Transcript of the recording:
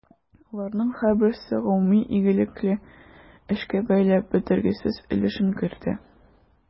Аларның һәрберсе гомуми игелекле эшкә бәяләп бетергесез өлешен кертә.